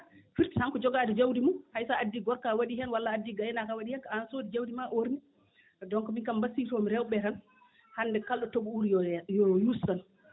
firti tan ko jogaade jawdi mum hay so a addii gorko a waɗii heen walla a addii gaynaaka a waɗii heen aan soodi jawdi maa orni donc min kam mbasiyotoomi rewɓe ɓee tan hannde kala ɗo toɓo uri yo yo yuus tan